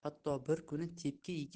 hatto bir kuni tepki